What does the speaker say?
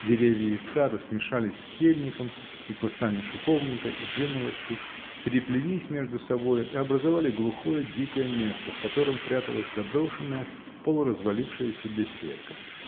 Деревья из сада смешались с ельником и кустами шиповника и жимолости, переплелись между собою и образовали глухое, дикое место, в котором пряталась заброшенная, полуразвалившаяся беседка.